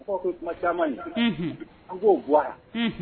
Aw' ko kuma caman ye an k'o gawa